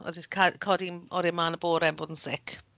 Oedd hi'n ca-codi'n oriau man y bore'n bod yn sick.